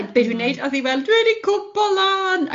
like be' dwi'n 'neud? O'dd hi fel, dwi 'di cwmpo lan,